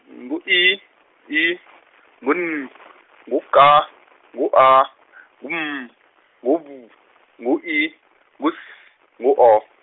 ngu I, I, ngu N, ngu K, ngu A, ngu M, ngu B, ngu I, ngu S, ngu O.